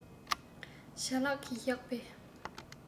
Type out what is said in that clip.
བྱ གླག གིས བཞག པའི